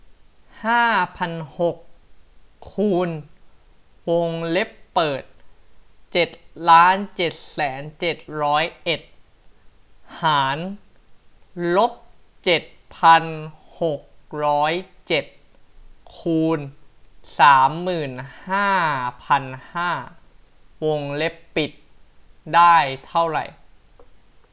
ห้าพันหกคูณวงเล็บเปิดเจ็ดล้านเจ็ดแสนเจ็ดร้อยเอ็ดหารลบเจ็ดพันหกร้อยเจ็ดคูณสามหมื่นห้าพันห้าวงเล็บปิดได้เท่าไร